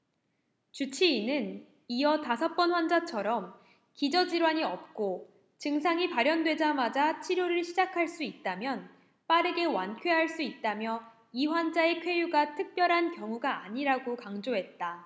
주치의는 이어 다섯 번 환자처럼 기저 질환이 없고 증상이 발현되자마자 치료를 시작할 수 있다면 빠르게 완쾌할 수 있다며 이 환자의 쾌유가 특별한 경우가 아니라고 강조했다